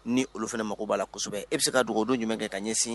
Ni olu fana mago b'a la kosɛbɛ e bɛ se ka dugawu don jumɛn kɛ taa ɲɛsin